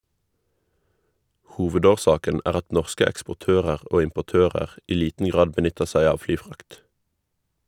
Hovedårsaken er at norske eksportører og importører i liten grad benytter seg av flyfrakt.